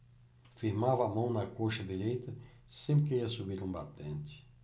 firmava a mão na coxa direita sempre que ia subir um batente